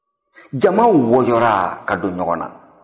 jama wɔyɔra ka dɔn ɲɔgɔn na